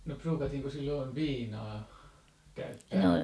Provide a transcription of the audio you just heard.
no ruukattiinko silloin viinaa käyttää